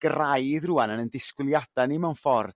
graidd rwan yn 'yn disgwyliada' ni mewn ffor'